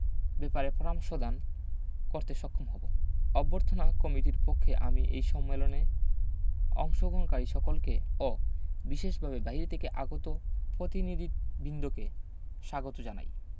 ব্যাপারে পরামর্শ দান করতে সক্ষম হবো অভ্যর্থনা কমিটির পক্ষে আমি এই সম্মেলনে অংশগ্রহণকারী সকলকে ও বিশেষভাবে বাইরে থেকে আগত পতিনিধিবিন্দকে স্বাগত জানাই